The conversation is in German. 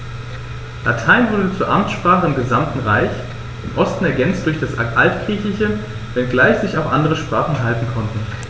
Latein wurde zur Amtssprache im gesamten Reich (im Osten ergänzt durch das Altgriechische), wenngleich sich auch andere Sprachen halten konnten.